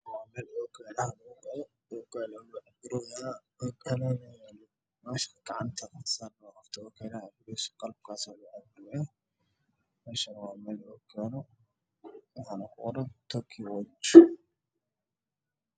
Waa okiyaalo midabkiis yahay caddaan